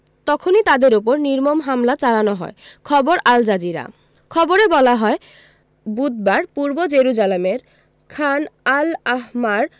তখনই তাদের ওপর নির্মম হামলা চালানো হয় খবর আল জাজিরা খবরে বলা হয় বুধবার পূর্ব জেরুজালেমের খান আল আহমার